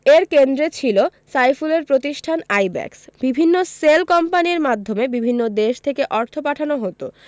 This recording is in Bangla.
এর কেন্দ্রে ছিল সাইফুলের প্রতিষ্ঠান আইব্যাকস বিভিন্ন শেল কোম্পানির মাধ্যমে বিভিন্ন দেশ থেকে অর্থ পাঠানো হতো